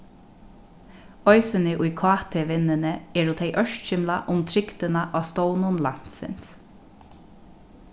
eisini í kt-vinnuni eru tey ørkymlað um trygdina á stovnum landsins